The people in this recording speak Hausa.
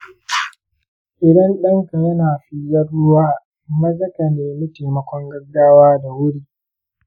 idan danka yana figar ruwa, maza ka nemi taimakon gaggawa da wuri.